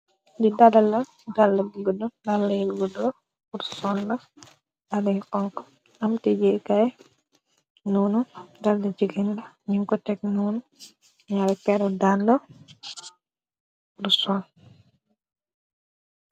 Di dadala dala ggdo dalagudo ursola are onk amte jekay nonu dalla jiginda nim ko tek nonu ñar keru dalla ursol.